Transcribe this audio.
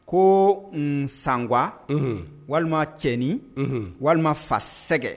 Ko n san walima cɛnin walima fa sɛgɛgɛ